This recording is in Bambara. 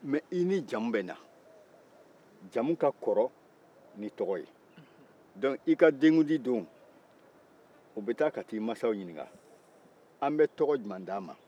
nka i ni jamu bɛ na jamu ka kɔrɔ ni tɔgɔ ye i ka denkundi don u bɛ taa i mansaw ɲininka an bɛ tɔgɔ jumɛn d'a ma